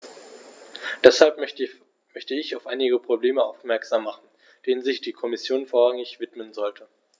Deshalb möchte ich auf einige Probleme aufmerksam machen, denen sich die Kommission vorrangig widmen sollte.